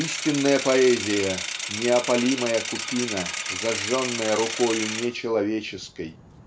Истинная поэзия -- неопалимая купина, зажженная рукою нечеловеческой